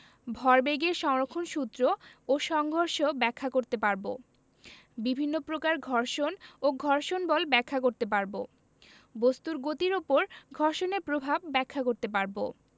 ভরবেগের সংরক্ষণ সূত্র ও সংঘর্ষ ব্যাখ্যা করতে পারব বিভিন্ন প্রকার ঘর্ষণ ও ঘর্ষণ বল ব্যাখ্যা করতে পারব বস্তুর গতির উপর ঘর্ষণের প্রভাব বিশ্লেষণ করতে পারব